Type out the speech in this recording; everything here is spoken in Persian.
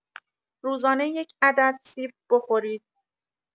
روزانه یک عدد سیب بخورید.